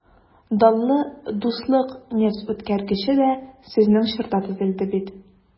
Данлы «Дуслык» нефтьүткәргече дә сезнең чорда төзелде бит...